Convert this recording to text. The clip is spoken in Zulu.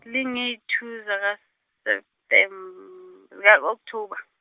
linge- two zika Septem- zika- October.